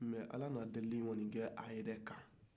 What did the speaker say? nga ala ye delili kɔni kɛ a yɛrɛ ka